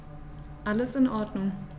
Alles in Ordnung.